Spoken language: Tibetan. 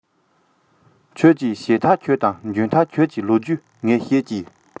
ཁྱོད ཀྱིས བྱས ཐག ཆོད དང འཇོན ཐག ཆོད ཀྱི ལོ རྒྱུས ངས བཤད ཀྱིས